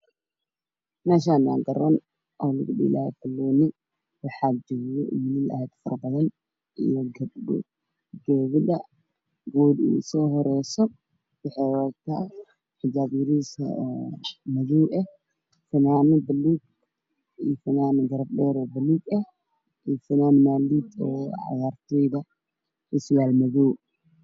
Meeshaan ma meel lagu ciyaaro basketball waxaa dheelayo gabdho waxaa daawanaya wiilal ka dhaawacay qabaan dhar buluug ah wiilasha dagaal ay fadhiyaan